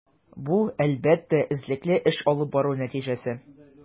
Бу, әлбәттә, эзлекле эш алып бару нәтиҗәсе.